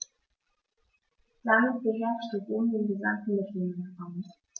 Damit beherrschte Rom den gesamten Mittelmeerraum.